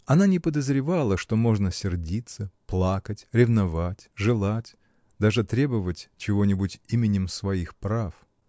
Она не подозревала, что можно сердиться, плакать, ревновать, желать, даже требовать чего-нибудь именем своих прав.